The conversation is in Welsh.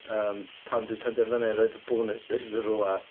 Yym, pan dwi'n penderfynu roid y bonuses yn rywle.